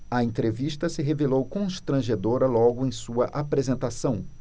a entrevista se revelou constrangedora logo em sua apresentação